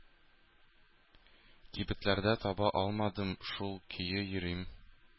Кибетләрдә таба алмадым, шул көе йөрим.